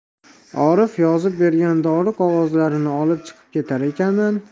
orif yozib bergan dori qog'ozlarni olib chiqib ketarkanman